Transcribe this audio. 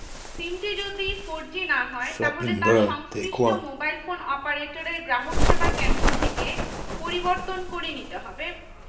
সিমটি যদি ফোরজি না হয় তাহলে তা সংশ্লিষ্ট মোবাইল ফোন অপারেটরের গ্রাহকসেবা কেন্দ্র থেকে পরিবর্তন করে নিতে হবে